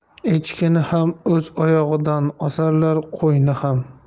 echkini ham o'z oyog'idan osarlar qo'yni ham